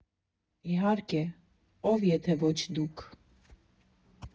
Իհարկե, ո՞վ, եթե ոչ դուք։